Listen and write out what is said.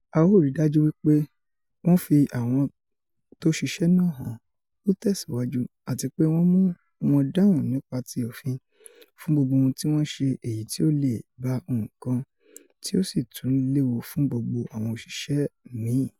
A ó ríi dájú wí pé wọn fi àwọn tóṣiṣẹ́ náà hàn,'' ó tẹ̀síwájú, ''àtipe wọ́n mú wọn dáhùn nípa ti òfin fún gbogbo ohun tíwọ́n ṣe èyití o leè ba nǹkan tí ò sì tún léwu fún gbogbo àwọn òṣìṣẹ́ mi.''